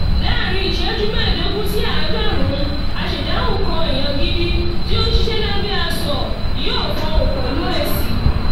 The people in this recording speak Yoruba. Láàárín ìṣẹ́jú 15 sí 90, "aṣèdáhùn" kan (èèyàn gidi tí ó ń ṣiṣẹ́ lábẹ́ aṣọ) yóò fọhùn pẹ̀lú èsì.